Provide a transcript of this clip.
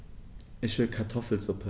Ich will Kartoffelsuppe.